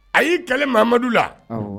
A y'i kɛlɛ mamadu la